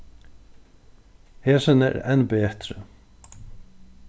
hesin er enn betri